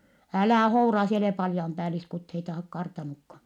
älä houraa sinä et ole patjanpäälliskuteita - kartannutkaan